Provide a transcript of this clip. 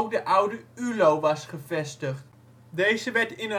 de oude ULO was gevestigd. Deze werd in